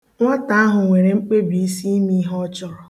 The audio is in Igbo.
Nwata ahụ nwere mkpebisi ime ihe ọ chọrọ